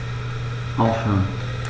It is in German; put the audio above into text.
Aufhören.